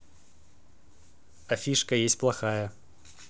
а fishka есть плохая